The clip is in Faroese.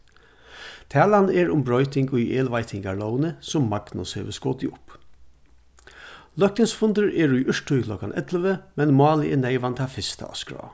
talan er um broyting í elveitingarlógini sum magnus hevur skotið upp løgtingsfundur er í úrtíð klokkan ellivu men málið er neyvan tað fyrsta á skrá